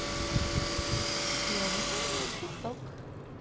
я выполнил кусок